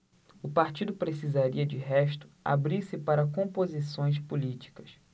o partido precisaria de resto abrir-se para composições políticas